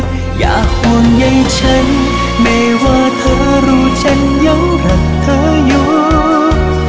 đừng lo lắng về anh khi mà anh vẫn còn yêu em